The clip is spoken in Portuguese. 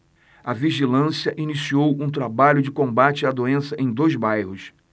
a vigilância iniciou um trabalho de combate à doença em dois bairros